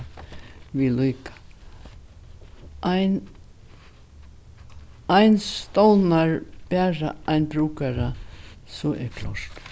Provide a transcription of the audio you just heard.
við líka ein ein stovnar bara ein brúkara so er klárt